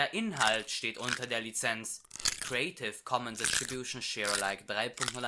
Inhalt steht unter der Lizenz Creative Commons Attribution Share Alike 3 Punkt